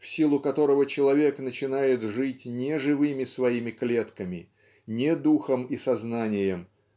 в силу которого человек начинает жить не живыми своими клетками не духом и сознанием